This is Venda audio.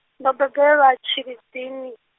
ndo bebelwa Tshilidzini.